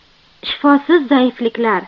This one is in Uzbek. shifosiz zaifliklar